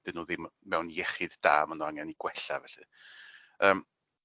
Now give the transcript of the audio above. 'dyn n'w ddim mewn iechyd da ma' n'w angen 'u gwella felly. Yym